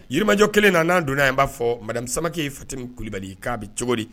Yirimanjɔ kelen na'an donna in b'a fɔ marasakɛ ye fatti kuli kulubali k'a bɛ cogodi